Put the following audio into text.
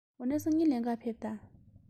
འོ ན སང ཉིན ལེན ག ཕེབས དང